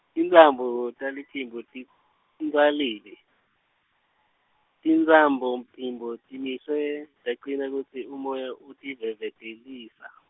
tintsambo teliphimbo tint- tintsalile, Tintsambophimbo timiswe tacina kutsi umoya utivevetelisa.